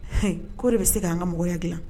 H ko de bɛ se k' an ka mɔgɔya gɛlɛn